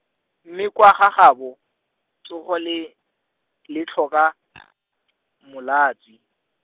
mme kwa gagabo, tsogo le, le tlhoka , molatswi.